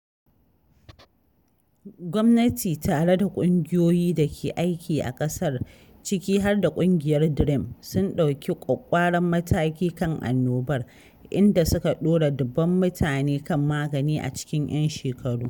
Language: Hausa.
Gwamnati tare da ƙungiyoyi da ke aiki a ƙasar, ciki har da ƙungiyar DREAM, sun ɗauki ƙwaƙƙwaran mataki kan annobar, inda suka ɗora dubban mutane kan magani a cikin ‘yan shekaru.